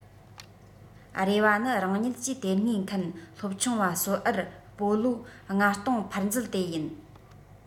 རེ བ ནི རང ཉིད ཀྱིས དེ སྔའི མཁན སློབ ཆུང བ བསོད འར སྤོ ལོ ༥༠༠༠ ཕར འཛུལ དེ ཡིན